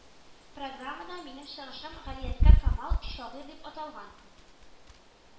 Программада минем чыгышым Галиәсгар Камал шагыйрь дип аталган